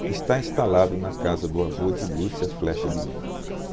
está instalado na casa do avô de lúcia flexa de lima